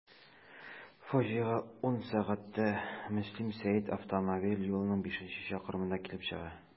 Фаҗига 10.00 сәгатьтә Мөслим–Сәет автомобиль юлының бишенче чакрымында килеп чыга.